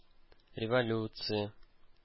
Революция